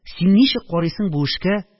Син ничек карыйсың бу эшкә?